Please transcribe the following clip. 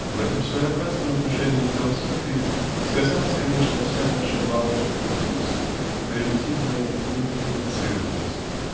В этом своеобразном отношении к философии сказалась конечно вся наша малокультурность примитивная недифференцированность